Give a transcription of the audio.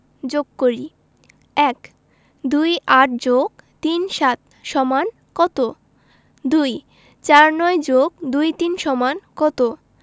যোগ করিঃ ১ ২৮ + ৩৭ = কত ২ ৪৯ + ২৩ = কত